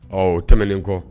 Ɔ tɛmɛnen kɔ